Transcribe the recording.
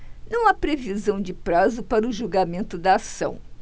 não há previsão de prazo para o julgamento da ação